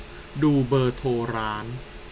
ดูเบอร์โทรร้าน